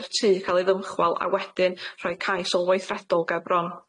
i'r tŷ ca'l ei ddymchwel a wedyn rhoi cais sylweithredol ger bron.